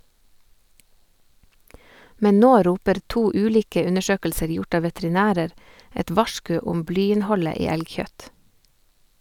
Men nå roper to ulike undersøkelser gjort av veterinærer et varsku om blyinnholdet i elgkjøtt.